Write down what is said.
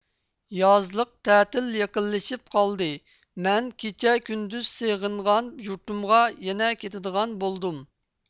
يازلىق تەتىل يېقىنلىشىپ قالدى مەن كېچە كۈندۈز سېغىنغان يۇرتۇمغا يەنە كېتىدىغان بولدۇم